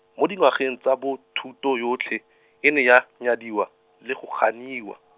mo dingwageng tsa bo thuto yotlhe, e ne ya, nyadiwa, le go ganiwa.